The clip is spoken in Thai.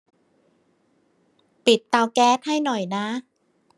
ปิดเตาแก๊สให้หน่อยนะ